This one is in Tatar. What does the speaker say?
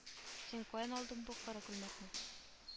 Син каян алдың бу коры күлмәкне